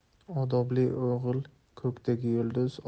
odobli o'g'il ko'kdagi yulduz